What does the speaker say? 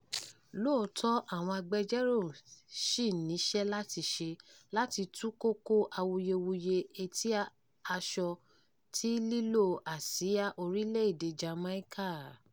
Lóòótọ́, àwọn agbẹjọ́rò ṣì níṣẹ́ láti ṣe láti tú kókó awuyewuye etí aṣọ ti lílo àsíá orílẹ̀ èdèe Jamaica.